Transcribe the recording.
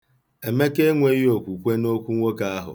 Emeka enweghị okwukwe n'okwu nwoke ahụ.